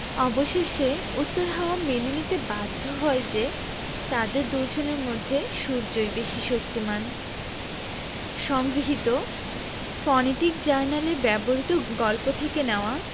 অবশেষে উত্তর হাওয়া মেনে নিতে বাধ্য হয় যে তাদের দুজনের মধ্যে সূর্যই বেশি শক্তিমান সংগৃহীত ফনেটিক জার্নালে ব্যবহিত গল্প থেকে নেওয়া